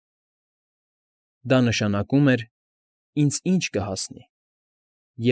Դա նշանակում էր. «Ինձ ի՞նչ կհասնի։